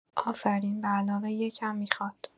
افرین بعلاوه یک هم میخواد